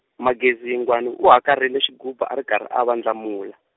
Magezi Yingwani a hakarhile xigubu a ri karhi a vandlamula.